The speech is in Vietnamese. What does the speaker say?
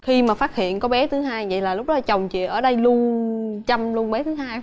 khi mà phát hiện có bé thứ hai vậy là lúc vợ chồng chị ở đây luôn chăm luôn bé thứ hai